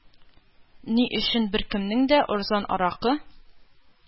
Ни өчен беркемнең дә арзан аракы